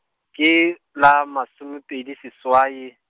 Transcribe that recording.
ke la masomepedi seswai.